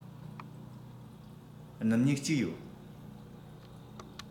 སྣུམ སྨྱུག གཅིག ཡོད